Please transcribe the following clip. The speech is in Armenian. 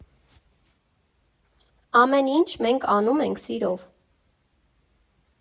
Ամեն ինչ մենք անում ենք սիրով։